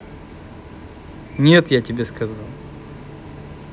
нет я тебе сказал